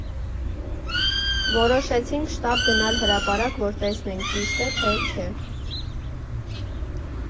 Որոշեցինք շտապ գնալ հրապարակ, որ տեսնենք ճիշտ է, թե չէ։